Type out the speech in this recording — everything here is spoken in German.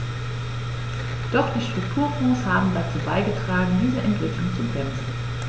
Doch die Strukturfonds haben dazu beigetragen, diese Entwicklung zu bremsen.